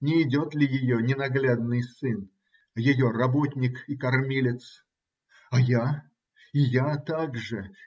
не идет ли ее ненаглядный сын, ее работник и кормилец?. А я? И я также.